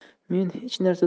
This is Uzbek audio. men hech narsa